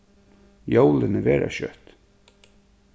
jólini vera skjótt